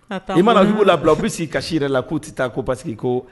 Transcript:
I mana y'u labila u walasasi kasisi yɛrɛ la k'u tɛ taa ko parce ko